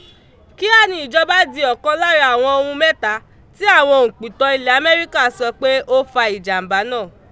Kíá ni ìjọbá di ọ̀kan lára àwọn ohun mẹ́ta tí àwọn òǹpìtàn ilẹ̀ Amẹ́ríkà sọ pé ó fa ìjàm̀bá náà